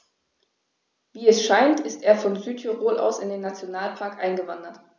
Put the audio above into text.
Wie es scheint, ist er von Südtirol aus in den Nationalpark eingewandert.